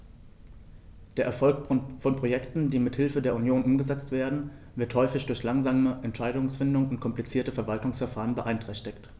Der Erfolg von Projekten, die mit Hilfe der Union umgesetzt werden, wird häufig durch langsame Entscheidungsfindung und komplizierte Verwaltungsverfahren beeinträchtigt.